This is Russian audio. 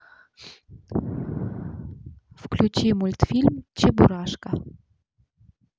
включи мультфильм чебурашка